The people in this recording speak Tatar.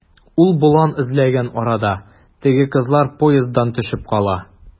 Ул болан эзләгән арада, теге кызлар поезддан төшеп кала.